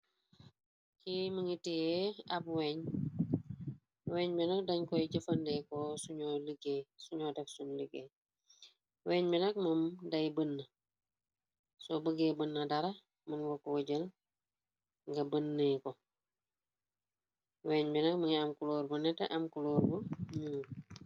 Ki mi ngi tee ab weeñ weeñ bi nak dañ koy jëfande ko suñoo def suñ liggée weeñ bi nak moom day bënna soo bëggee bënna dara mën wokk wëjël nga bo weeñ bi nak mënga am kuloor bu nette am kuloor bu ñuu.